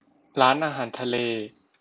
ร้านอาหารทะเล